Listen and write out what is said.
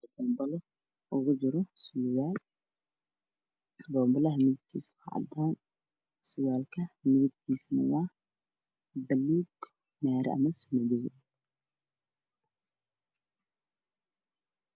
banbalo uu kujiro suwal bonbalaha midabkisu wa cadan suwalkana midabkisu wa balug